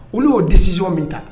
Olu y'o disisɔn min ta